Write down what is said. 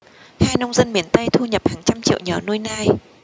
hai nông dân miền tây thu nhập hàng trăm triệu nhờ nuôi nai